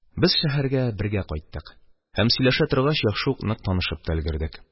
Без шәһәргә бергә кайттык һәм, сөйләшә торгач, яхшы ук нык танышып та өлгердек.